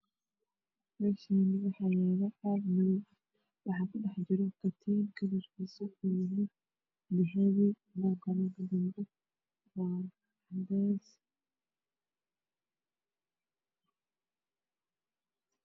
Meshan waxayalo cag madow ah waxa kudhexjiro katiin kalarkis oow yahay dahbi kuwakale oo kadabe waa cades